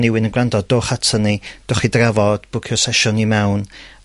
nywun yn grando, dowch atan ni. Dowch i drafod, bwcio sesiwn i mewn,